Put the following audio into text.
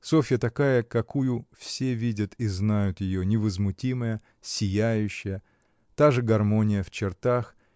Софья такая, какою все видят и знают ее: невозмутимая, сияющая. Та же гармония в чертах